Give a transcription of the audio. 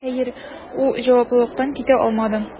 Хәер, ул җаваплылыктан китә алмады: